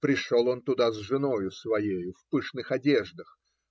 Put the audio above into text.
Пришел он туда с женою своею в пышных одеждах